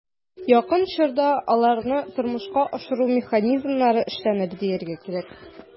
Якын чорда аларны тормышка ашыру механизмнары эшләнер, дияргә кирәк.